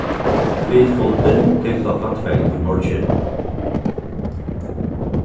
flyt fundin til klokkan tvey í morgin